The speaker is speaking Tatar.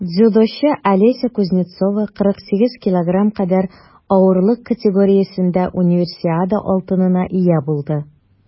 Дзюдочы Алеся Кузнецова 48 кг кадәр авырлык категориясендә Универсиада алтынына ия булды.